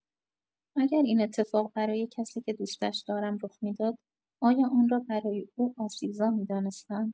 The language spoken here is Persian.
اگر این اتفاق برای کسی که دوستش دارم رخ می‌داد، آیا آن را برای او آسیب‌زا می‌دانستم؟